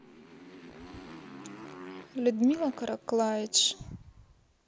людмила караклаич